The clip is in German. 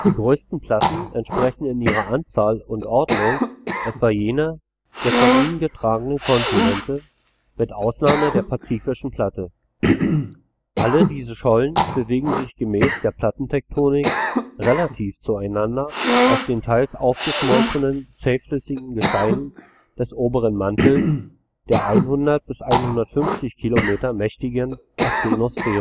größten Platten entsprechen in ihrer Anzahl und Ordnung etwa jener der von ihnen getragenen Kontinente, mit Ausnahme der pazifischen Platte. Alle diese Schollen bewegen sich gemäß der Plattentektonik relativ zueinander auf den teils aufgeschmolzenen, zähflüssigen Gesteinen des oberen Mantels, der 100 bis 150 km mächtigen Asthenosphäre